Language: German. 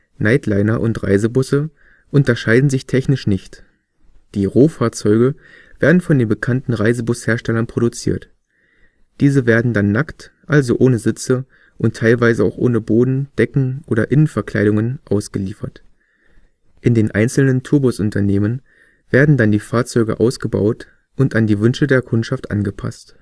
Nightliner und Reisebusse unterscheiden sich technisch nicht. Die „ Rohfahrzeuge “werden von den bekannten Reisebusherstellern produziert. Diese werden dann nackt, also ohne Sitze und teilweise auch ohne Boden -, Decken - oder Innenverkleidungen, ausgeliefert. In den einzelnen Tourbusunternehmen werden dann die Fahrzeuge ausgebaut und an die Wünsche der Kundschaft angepasst